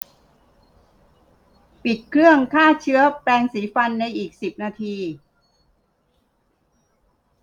ปิดเครื่องฆ่าเชื้อแปรงสีฟันในอีกสิบนาที